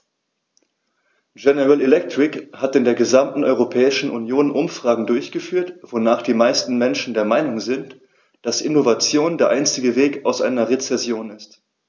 General Electric hat in der gesamten Europäischen Union Umfragen durchgeführt, wonach die meisten Menschen der Meinung sind, dass Innovation der einzige Weg aus einer Rezession ist.